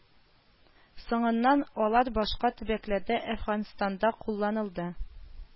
Соңыннан алар башка төбәкләрдә, Әфганстанда кулланылды